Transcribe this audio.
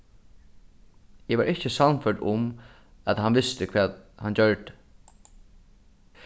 eg var ikki sannførd um at hann visti hvat hann gjørdi